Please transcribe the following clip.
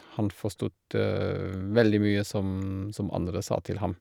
Han forstod veldig mye som som andre sa til ham.